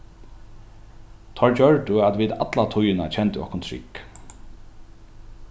teir gjørdu at vit alla tíðina kendu okkum trygg